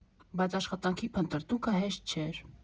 Բայց աշխատանքի փնտրտուքը հեշտ չէր։